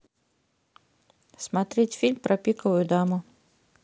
смотреть фильм про пиковую даму